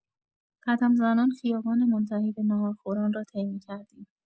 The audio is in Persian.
قدم‌زنان خیابان منتهی به ناهارخوران را طی می‌کردیم.